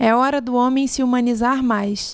é hora do homem se humanizar mais